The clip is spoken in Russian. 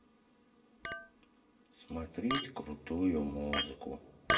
смотреть крутую музыку